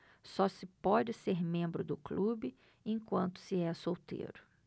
só se pode ser membro do clube enquanto se é solteiro